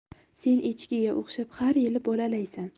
sen echkiga o'xshab har yili bolalaysan